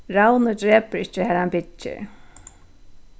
ravnur drepur ikki har hann byggir